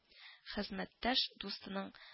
Хезмәттәш дустының